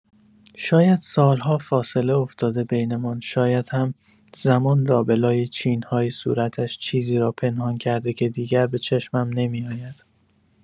شاید سال‌ها فاصله افتاده بینمان، شاید هم‌زمان لابه‌لای چین‌های صورتش چیزی را پنهان کرده که دیگر به چشمم نمی‌آید.